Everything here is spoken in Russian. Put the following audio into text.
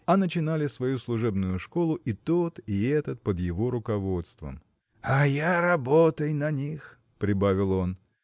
а начинали свою служебную школу и тот и этот под его руководством. А я работай за них! – прибавил он.